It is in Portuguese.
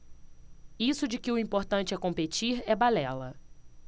isso de que o importante é competir é balela